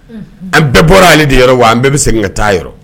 An bɛɛ bɔra ale de yɔrɔ wa an bɛɛ bɛ segin ka taa yɔrɔ